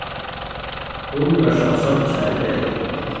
gunnvørsa troyggja er reyð